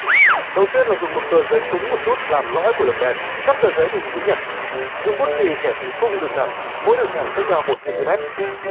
đầu tiên là dùng một tờ giấy cứng một chút làm lõi của lồng đèn cắt tờ giấy hình chữ nhật dùng bút chì kẻ thành khung đường thẳng mỗi đường thẳng cách nhau một xen ti mét